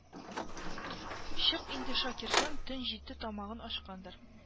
Чык инде шакирҗан төн җитте тамагың ачкандыр